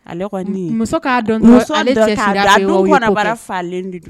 Muso k'a